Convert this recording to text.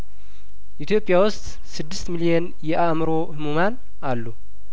ኢትዮጵያ ውስጥ ስድስት ሚሊየን የአእምሮ ህሙማን አሉ